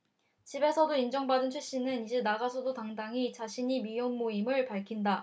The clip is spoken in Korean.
집에서 인정받은 최 씨는 이제 나가서도 당당히 자신이 미혼모임을 밝힌다